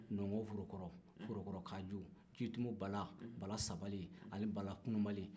nɔnkɔnforokɔrɔ forokɔrɔkajo jitumunbala bala sabali ani bala kunun bali